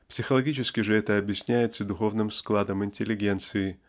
психологически же это объясняется духовным складом интеллигенции